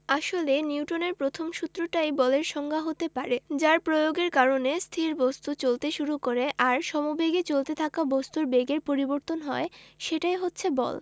আসলে নিউটনের প্রথম সূত্রটাই বলের সংজ্ঞা হতে পারে যার প্রয়োগের কারণে স্থির বস্তু চলতে শুরু করে আর সমবেগে চলতে থাকা বস্তুর বেগের পরিবর্তন হয় সেটাই হচ্ছে বল